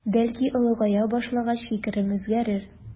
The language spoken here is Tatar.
Бәлки олыгая башлагач фикерем үзгәрер.